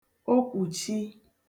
okwùchi